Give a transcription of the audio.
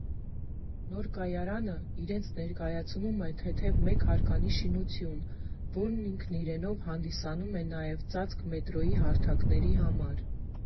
Նոր կայարանը իրենից ներկայացնում է թեթև, մեկ հարկանի շինություն, որն ինքն իրենով հանդիսանում է նաև ծածկ մետրոյի հարթակների համար։